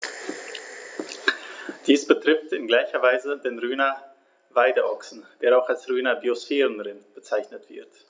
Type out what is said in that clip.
Dies betrifft in gleicher Weise den Rhöner Weideochsen, der auch als Rhöner Biosphärenrind bezeichnet wird.